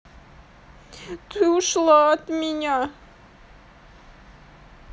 ты ушла от меня